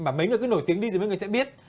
mà mấy người cứ nổi tiếng rồi mấy người sẽ biết